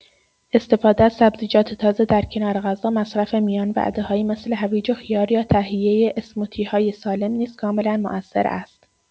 استفاده از سبزیجات تازه در کنار غذا، مصرف میان‌وعده‌هایی مثل هویج و خیار یا تهیه اسموتی‌های سالم نیز کاملا مؤثر است.